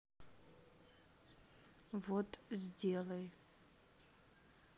вот сделай